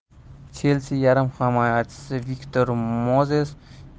chelsi yarim himoyachisi viktor mozes